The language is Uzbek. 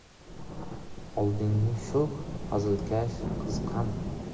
oldingi sho'x hazilkash qiz qani